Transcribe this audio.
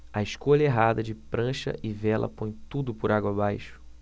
a escolha errada de prancha e vela põe tudo por água abaixo